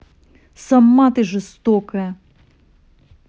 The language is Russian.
сама ты жестокая